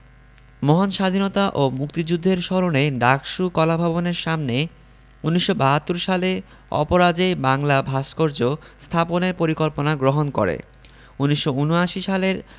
মহান স্বাধীনতা ও মুক্তিযুদ্ধের স্মরণে ডাকসু কলাভবনের সামনে ১৯৭২ সালে অপরাজেয় বাংলা ভাস্কর্য স্থাপনের পরিকল্পনা গ্রহণ করে ১৯৭৯ সালের